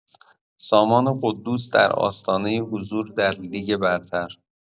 سامان قدوس در آستانه حضور در لیگ برتر